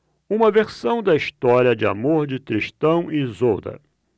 uma versão da história de amor de tristão e isolda